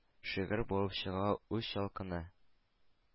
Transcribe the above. Шигырь булып чыга үч ялкыны